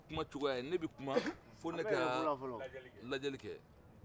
o ye ne kumacogoya ye ni ne bɛ kuma fo ne ka lajɛli kɛ